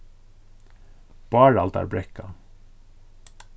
báraldarbrekka